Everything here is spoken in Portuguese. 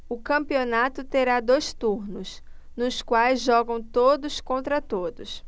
o campeonato terá dois turnos nos quais jogam todos contra todos